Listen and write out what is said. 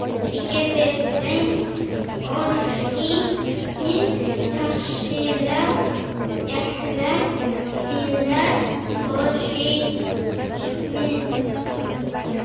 yaxshiga bersang oshingni yaxshilar silar boshingni